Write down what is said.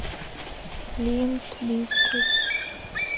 лимб бизкит